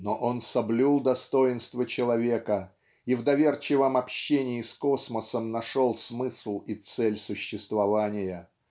Но он соблюл достоинство человека и в доверчивом общении с космосом нашел смысл и цель существования.